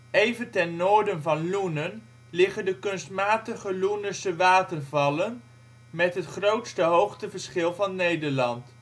Even ten noorden van Loenen liggen de (kunstmatige) Loenense watervallen, met het grootste hoogteverschil van Nederland